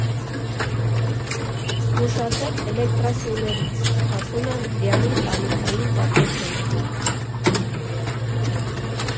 «Զգուշացե՛ք էլեկտրասյուներից»՝ ասում է Մարիամի տանիքային պատմությունը.